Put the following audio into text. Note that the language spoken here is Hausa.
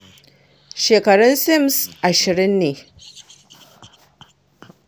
Shekarun Sims 20 ne.